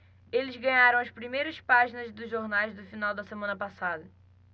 eles ganharam as primeiras páginas dos jornais do final da semana passada